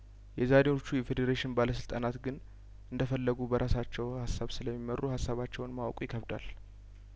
የዛሬዎቹ የፌዴሬሽን ባለስልጣናት ግን እንደፈለጉ በራሳቸው ሀሳብ ስለሚመሩ ሀሳባቸውን ማወቁ ይከብዳል